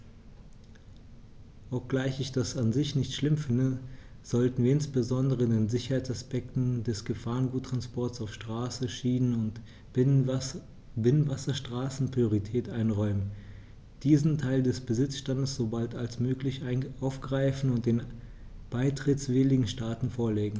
Obgleich ich das an sich nicht schlimm finde, sollten wir insbesondere den Sicherheitsaspekten des Gefahrguttransports auf Straße, Schiene und Binnenwasserstraßen Priorität einräumen, diesen Teil des Besitzstands so bald als möglich aufgreifen und den beitrittswilligen Staaten vorlegen.